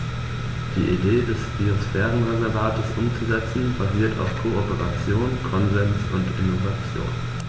Die Idee des Biosphärenreservates umzusetzen, basiert auf Kooperation, Konsens und Innovation.